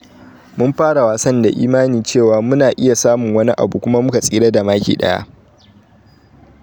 "Mun fara wasan da imani cewa mu na iya samun wani abu kuma muka tsira da maki daya